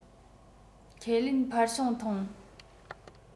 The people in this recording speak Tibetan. ཁས ལེན འཕར བྱུང ཐོན